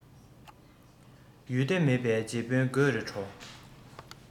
ཡུལ སྡེ མེད པའི རྗེ དཔོན དགོད རེ བྲོ